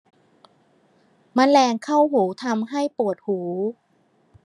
แมลงเข้าหูทำให้ปวดหู